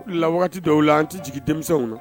La waati dɔw la an tɛ jigin denmisɛnww na